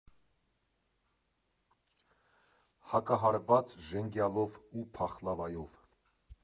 Հակահարված ժենգյալով ու փախլավայով։